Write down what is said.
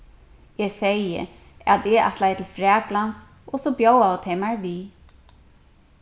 eg segði at eg ætlaði til fraklands og so bjóðaðu tey mær við